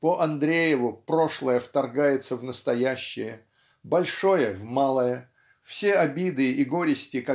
По Андрееву, прошлое вторгается в настоящее, большое - в малое все обиды и горести